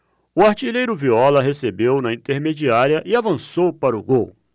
o artilheiro viola recebeu na intermediária e avançou para o gol